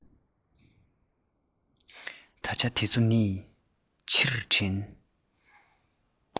ད ཆ དེ ཚོ ནི ཕྱིར དྲན